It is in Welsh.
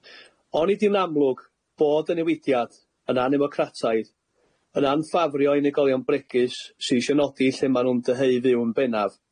Onid yw'n amlwg bod y newidiad yn anemocrataidd, yn anffafrio unigolion bregus sy isio nodi lle ma' nw'n dyheu fyw yn bennaf?